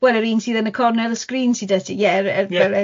wel yr un sydd yn y cornel y sgrin sy 'da ti, ie yr yr.. Ie... yr yy